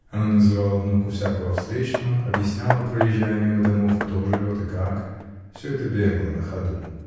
Она называла внуку всякого встречного, объясняла, проезжая мимо домов, кто живет и как, — всё это бегло, на ходу.